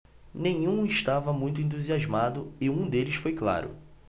nenhum estava muito entusiasmado e um deles foi claro